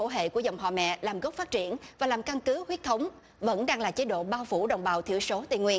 hệ của dòng họ mẹ làm gốc phát triển và làm căn cứ huyết thống vẫn đang là chế độ bao phủ đồng bào thiểu số tây nguyên